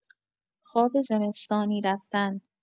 خواب زمستانی رفتن